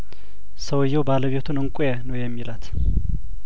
ሰውዬው ባለቤቱን እንቋ ነው የሚላት